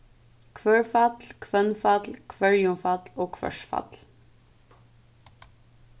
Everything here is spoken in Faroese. hvørfall hvønnfall hvørjumfall og hvørsfall